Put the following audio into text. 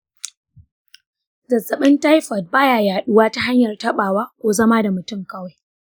zazzabin taifot ba ya yaɗuwa ta hanyar taɓawa ko zama da mutum kawai.